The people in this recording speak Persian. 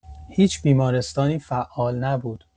هیچ بیمارستانی فعال نبود.